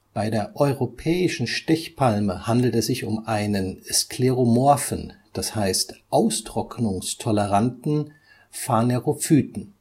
Bei der Europäischen Stechpalme handelt es sich um einen skleromorphen (austrocknungstoleranten) Phanerophyten